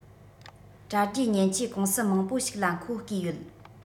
དྲ རྒྱའི མཉེན ཆས ཀུང སི མང པོ ཞིག ལ ཁོ བརྐོས ཡོད